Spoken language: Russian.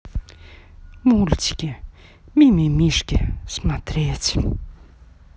мультики ми ми мишки смотреть